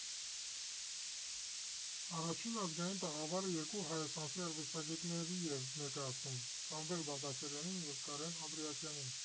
Առաջին ազգային տաղավարը երկու հայաստանցի արվեստագետների էր ներկայացնում՝ Սամվել Բաղդասարյանին և Կարեն Անդրեասյանին։